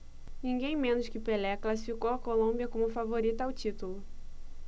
ninguém menos que pelé classificou a colômbia como favorita ao título